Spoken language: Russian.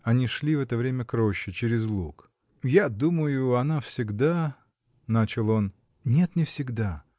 Они шли в это время к роще, через луг. — Я думаю, она всегда. — начал он. — Нет, не всегда.